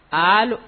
Aa